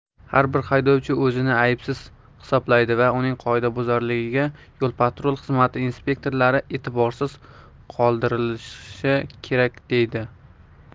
har bir haydovchi o'zini aybsiz hisoblaydi va uning qoidabuzarligiga yo patrul xizmati inspektorlari e'tiborsiz qoldirishi kerak deydi